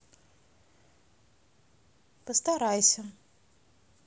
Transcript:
постарайся